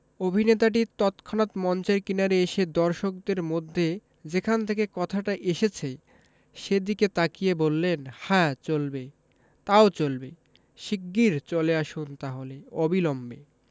অভিনেতাটি তৎক্ষনাত মঞ্চের কিনারে এসে দর্শকদের মধ্যে যেখান থেকে কথাটা এসেছে সেদিকে তাকিয়ে বললেন হ্যাঁ চলবে তাও চলবে শিগগির চলে আসুন তাহলে অবিলম্বে